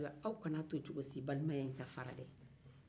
aw kana to balimaya in ka fara cogo si la